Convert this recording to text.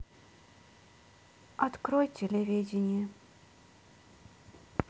открой телевидение